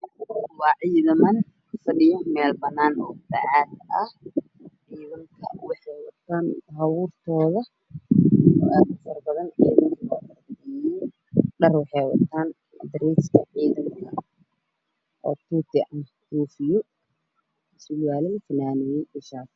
Waa ciidamo fadhiyo meel banaan oo bacaad ah ciidanka waxa ay wataan baa buurtooda dhar waxa ay wataa dareeska ciidamada oo tuuta ah io koofiyosur waaio fanaanado io shaatiyaal